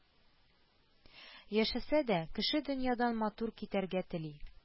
Яшәсә дә, кеше дөньядан матур китәргә тели